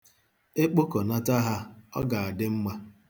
E kpokọnata ha, ọ ga-adị mma.